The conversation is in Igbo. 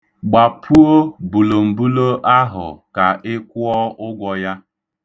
Gbapuo bulombulo ahụ, ka ị kwụọ ụgwọ ya.